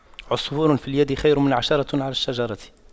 عصفور في اليد خير من عشرة على الشجرة